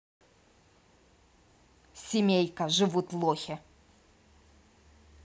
семейка живут лохи